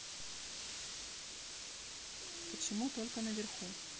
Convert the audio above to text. почему только наверху